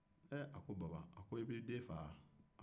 a ko baba i b'i den faa wa